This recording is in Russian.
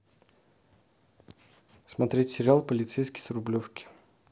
смотреть сериал полицейский с рублевки